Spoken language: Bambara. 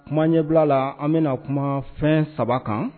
Kuma ɲɛbila la an bɛna kuma fɛn saba kan